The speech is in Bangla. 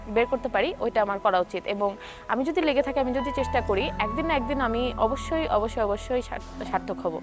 বের করতে পারি ওইটা আমার করা উচিত এবং আমি যদি লেগে থাকি আমি যদি চেষ্টা করি একদিন না একদিন আমি অবশ্যই অবশ্যই অবশ্যই সার্থক হবো